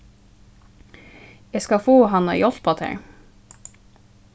eg skal fáa hann at hjálpa tær